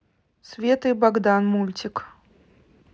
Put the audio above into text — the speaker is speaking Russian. света и богдан мультик